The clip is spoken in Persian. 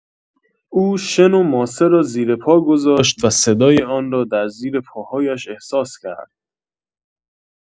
او شن و ماسه را زیر پا گذاشت و صدای آن در زیر پاهایش را احساس کرد.